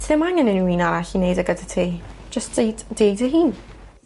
ti ddim angen unryw un arall i neud e gyda ti jyst deud deud dy hun.